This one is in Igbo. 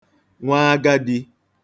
nwaagadī